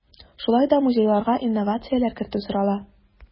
Шулай да музейларга инновацияләр кертү сорала.